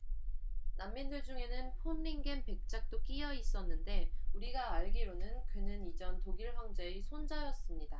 난민들 중에는 폰 링겐 백작도 끼여 있었는데 우리가 알기로는 그는 이전 독일 황제의 손자였습니다